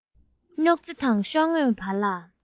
སྨྱུག རྩེ དང ཤོག ངོས བར ནས